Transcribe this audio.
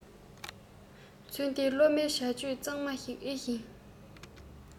ཚུལ ལྡན སློབ མའི བྱ སྤྱོད གཙང མ ཞིག ཨེ ཡིན